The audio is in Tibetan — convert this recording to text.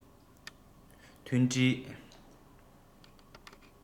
མཐུན སྒྲིལ